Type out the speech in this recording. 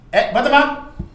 Ɛ Batɔɔma